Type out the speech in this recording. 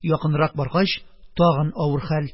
Якынрак баргач, тагы авыр хәл: